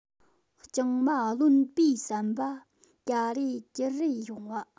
ལྕང མ རློན པའི ཟམ པ གྱ རེ གྱུར རེ ཡོང བ